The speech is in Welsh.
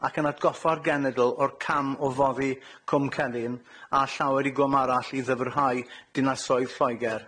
ac yn atgoffa'r genedl o'r cam o foddi Cwm Celyn a llawer i gwm arall i ddyfrhau dinasoedd Lloegr.